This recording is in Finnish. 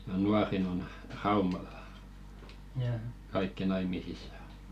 ja nuorin on Raumalla kaikki naimisissa